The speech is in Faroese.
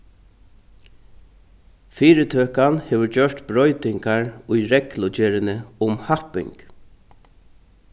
fyritøkan hevur gjørt broytingar í reglugerðini um happing